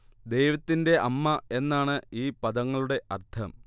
ദൈവത്തിന്റെ അമ്മ എന്നാണ് ഈ പദങ്ങളുടെ അർത്ഥം